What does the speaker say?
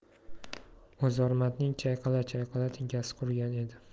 o'rozmatning chayqala chayqala tinkasi qurigan edi